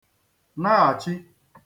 naghàchi